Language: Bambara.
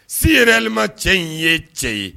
Selilima cɛ in ye cɛ ye